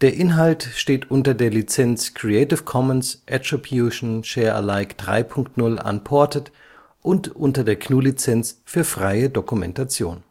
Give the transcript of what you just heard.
Inhalt steht unter der Lizenz Creative Commons Attribution Share Alike 3 Punkt 0 Unported und unter der GNU Lizenz für freie Dokumentation